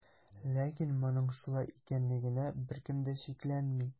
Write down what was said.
Ләкин моның шулай икәнлегенә беркем дә шикләнми.